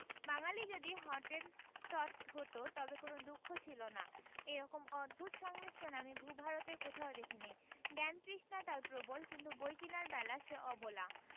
বাঙালী যদি হটেনটট হত তবে কোন দুঃখ ছিল না এরকম অদ্ভুত সংমিশ্রণ আমি ভূ ভারতে কোথাও দেখি নি জ্ঞানতৃষ্ণা তার প্রবল কিন্তু বই কেনার বেলা সে অবলা